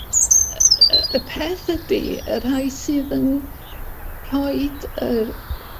y y y peth ydi y rhai sydd yn rhoid yr